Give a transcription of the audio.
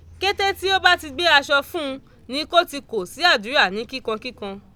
Kété tí ó bá ti gbé aṣọ fún un ni ko ti kò sí àdúrà ní kíkankíkan.